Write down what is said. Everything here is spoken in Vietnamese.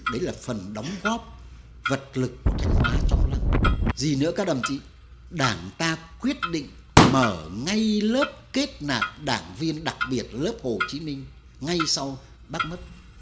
đấy là phần đóng góp vật lực của thanh hóa trong lăng gì nữa các đồng chí đảng ta quyết định mở ngay lớp kết nạp đảng viên đặc biệt lớp hồ chí minh ngay sau bác mất